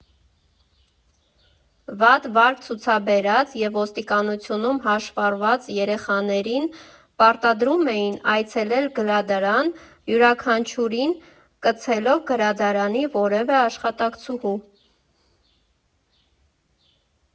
Վատ վարք ցուցաբերած և ոստիկանությունում հաշվառված երեխաներին պարտադրում էին այցելել գրադարան՝ յուրաքանչյուրին կցելով գրադարանի որևէ աշխատակցուհու։